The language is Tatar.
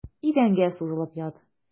Идәнгә сузылып ят.